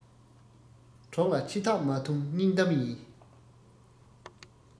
གྲོགས ལ ཕྱི ཐག མ ཐུང སྙིང གཏམ ཡིན